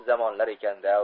zamonlar ekan da